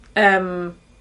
Yym.